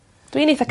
Dwi'n itha...